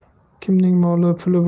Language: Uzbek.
kimning moli puli